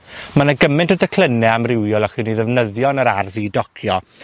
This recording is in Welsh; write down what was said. Ma' 'na gymet o declynne amrywiol allwn ni ddefnyddio yn yr ardd i docio.